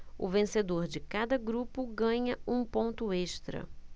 o vencedor de cada grupo ganha um ponto extra